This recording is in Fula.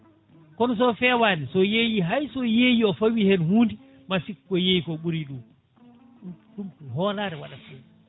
kono so fewani so yeeyi hayso so yeeyi o fawi hen hunde ma sikku ko yeeyi ko ɓuuri ɗum ɗum ɗum ko hoolare waɗata ɗum